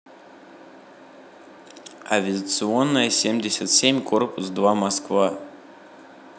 авиационная семьдесят семь корпус два москва